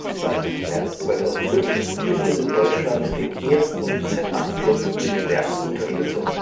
Seit März 2005 gibt es in Deutschland den ersten Z8-Club mit Werksunterstützung